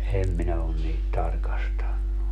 en minä ole niitä tarkastanut